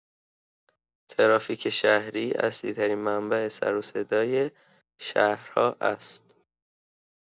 ترافیک شهری اصلی‌ترین منبع سر و صدای شهرها است.